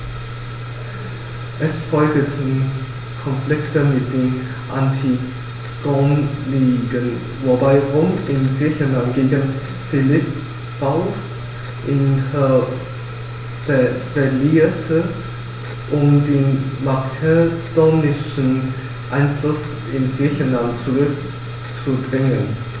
Es folgten Konflikte mit den Antigoniden, wobei Rom in Griechenland gegen Philipp V. intervenierte, um den makedonischen Einfluss in Griechenland zurückzudrängen.